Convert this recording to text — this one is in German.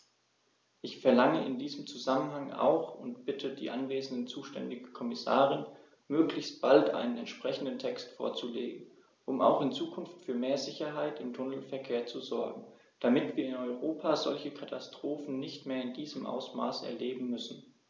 Ich verlange in diesem Zusammenhang auch und bitte die anwesende zuständige Kommissarin, möglichst bald einen entsprechenden Text vorzulegen, um auch in Zukunft für mehr Sicherheit im Tunnelverkehr zu sorgen, damit wir in Europa solche Katastrophen nicht mehr in diesem Ausmaß erleben müssen!